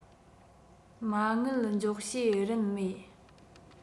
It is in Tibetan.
མ དངུལ འཇོག བྱེད རིན མེད